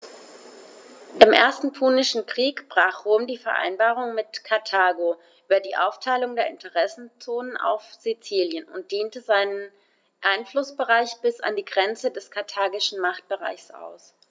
Im Ersten Punischen Krieg brach Rom die Vereinbarung mit Karthago über die Aufteilung der Interessenzonen auf Sizilien und dehnte seinen Einflussbereich bis an die Grenze des karthagischen Machtbereichs aus.